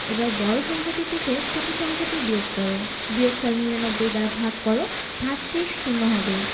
এবার বড় সংখ্যাটি থেকে ছোট সংখ্যাটি বিয়োগ কর বিয়োগফল ৯৯ দ্বারা ভাগ কর ভাগশেষ শূন্য হবে